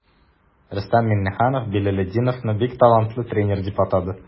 Рөстәм Миңнеханов Билалетдиновны бик талантлы тренер дип атады.